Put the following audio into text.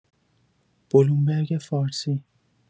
بلومبرگ فارسی